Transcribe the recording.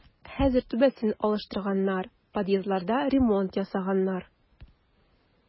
Хәзер түбәсен алыштырганнар, подъездларда ремонт ясаганнар.